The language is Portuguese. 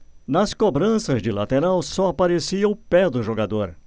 nas cobranças de lateral só aparecia o pé do jogador